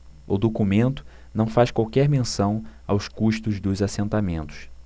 o documento não faz qualquer menção aos custos dos assentamentos